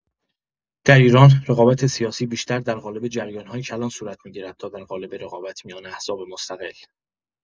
در ایران، رقابت سیاسی بیشتر در قالب جریان‌های کلان صورت می‌گیرد تا در قالب رقابت میان احزاب مستقل.